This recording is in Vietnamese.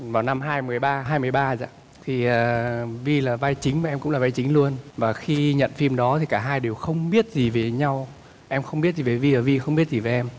vào năm hai mười ba hai mười ba đó thì vy là vai chính mà em cũng là vai chính luôn và khi nhận phim đó thì cả hai đều không biết gì về nhau em không biết gì về vy và vy không biết gì về em